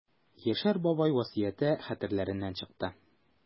Яшәр бабай васыяте хәтерләреннән чыккан.